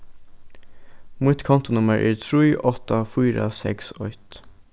mítt kontunummar er trý átta fýra seks eitt